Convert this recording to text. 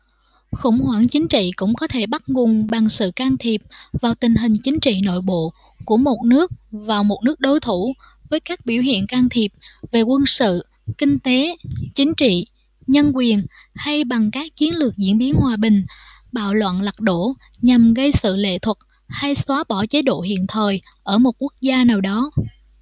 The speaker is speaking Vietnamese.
khủng hoảng chính trị cũng có thể bắt nguồn bằng sự can thiệp vào tình hình chính trị nội bộ của một nước vào một nước đối thủ với các biểu hiện can thiệp về quân sự kinh tế chính trị nhân quyền hay bằng các chiến lược diễn biến hòa bình bạo loạn lật đổ nhằm gây sự lệ thuộc hay xóa bỏ chế độ hiện thời ở một quốc gia nào đó